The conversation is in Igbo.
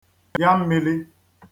ya mmīlī